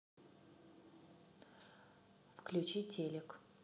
включи телек